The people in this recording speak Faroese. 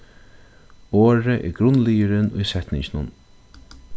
orðið er grundliðurin í setninginum